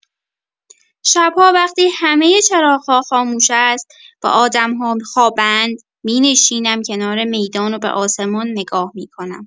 شب‌ها وقتی همه چراغ‌ها خاموش است و آدم‌ها خوابند، می‌نشینم کنار میدان و به آسمان نگاه می‌کنم.